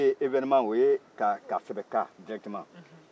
k a ye ewenema o ye k'a sɛbɛn ka dikitema